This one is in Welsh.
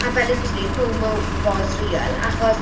A fel literally FOMO was real achos...